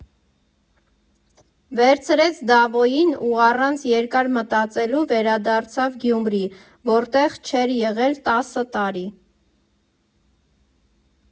Վերցրեց Դավոյին ու առանց երկար մտածելու վերադարձավ Գյումրի, որտեղ չէր եղել տասը տարի։